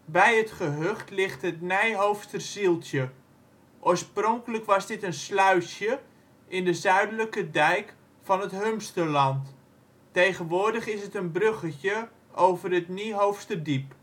Bij het gehucht ligt het Nijhoofster zieltje. Oorspronkelijk was dit een sluisje in de zuidelijke dijk van het Humsterland. Tegenwoordig is het een bruggetje over het Niehoofsterdiep